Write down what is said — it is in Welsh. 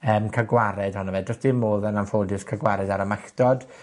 yym ca'l gwared hono fe. Do's dim modd yn anffodus ca' gwared ar y malltod.